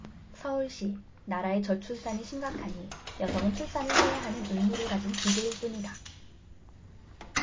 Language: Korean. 서울시나라의 저출산이 심각하니 여성은 출산을 해야 하는 의무를 가진 기계일 뿐이다